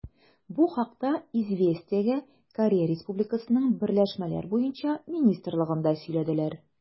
Бу хакта «Известия»гә Корея Республикасының берләшмәләр буенча министрлыгында сөйләделәр.